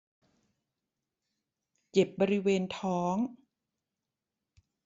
เจ็บบริเวณท้อง